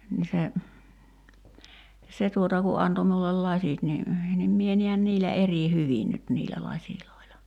niin se se tuota kun antoi minulle lasit niin niin minä näen niillä eri hyvin nyt niillä laseilla